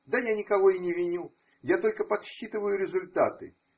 Да я никого и не виню, я только подсчитываю результаты.